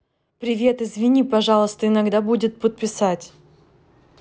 привет извини пожалуйста иногда будет подписать